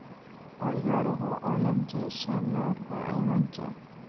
oy yorug'i olamcha sham yorug'i ayvoncha